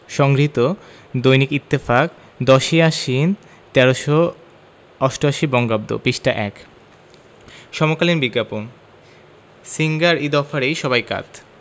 সংগৃহীত দৈনিক ইত্তেফাক ১০ই আশ্বিন ১৩৮৮ বঙ্গাব্দ পৃষ্ঠা – ১ সমকালীন বিজ্ঞাপন সিঙ্গার ঈদ অফারে সবাই কাত